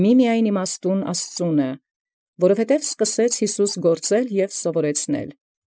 Զմիոյ միայնոյ իմաստնոյն Աստուծոյ. «Քանզի սկսաւ Յիսուս առնել և ուսուցանելե։